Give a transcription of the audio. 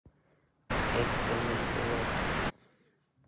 я тебя нарисовал